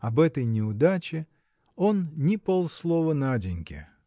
Об этой неудаче он ни полслова Наденьке